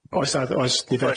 Oes tad oes nifer.